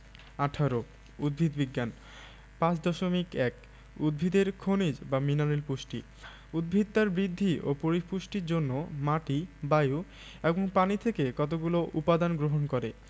১৮ উদ্ভিদ বিজ্ঞান ৫.১ উদ্ভিদের খনিজ বা মিনারেল পুষ্টি উদ্ভিদ তার বৃদ্ধি ও পরিপুষ্টির জন্য মাটি বায়ু এবং পানি থেকে কতগুলো উপদান গ্রহণ করে